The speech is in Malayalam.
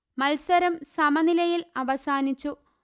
മല്സരം സമനിലയിൽ അവസാനിച്ചു